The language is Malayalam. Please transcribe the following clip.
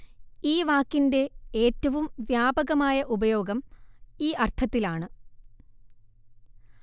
ഈ വാക്കിന്റെ ഏറ്റവും വ്യാപകമായ ഉപയോഗം ഈ അർത്ഥത്തിലാണ്